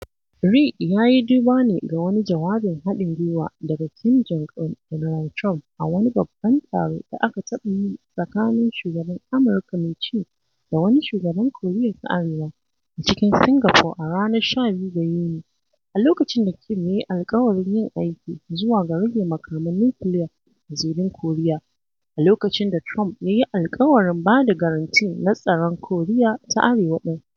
Ri ya yi duba ne ga wani jawabin haɗin gwiwa daga Kim Jong Un da Donald Trump a wani babban taro da aka taɓa yi tsakanin shugaban Amurka mai ci da wani shugaban Koriya ta Arewa a cikin Singapore a ranar 12 ga Yuni, a lokacin da Kim ya yi alƙawarin yin aiki zuwa ga "rage makaman nukiliya a zirin Koriya" a lokacin da Trump ya yi alƙawarin ba da garanti na tsaron Koriya ta Arewa din.